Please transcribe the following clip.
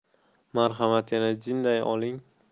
marhamat yana jindak oling